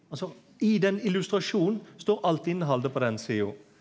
altså i den illustrasjonen står alt innhaldet på den sida.